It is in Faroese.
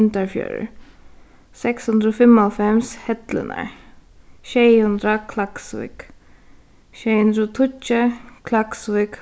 oyndarfjørður seks hundrað og fimmoghálvfems hellurnar sjey hundrað klaksvík sjey hundrað og tíggju klaksvík